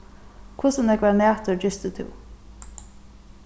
hvussu nógvar nætur gistir tú